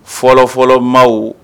Fɔlɔ fɔlɔma